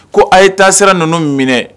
Ko a' ye taa sera ninnu minɛ